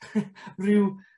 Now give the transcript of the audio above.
ryw